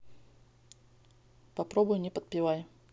попробуй не подпевай